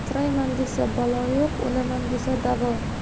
asrayman desa balo yo'q o'laman desa davo